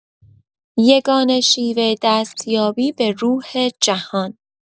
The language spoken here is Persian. یگانه شیوه دست‌یابی به روح جهان